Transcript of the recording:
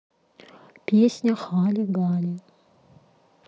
песня хали гали